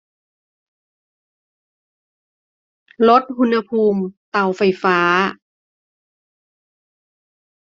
ลดอุณหภูมิเตาไฟฟ้า